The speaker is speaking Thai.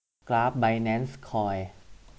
กราฟไบแนนซ์คอย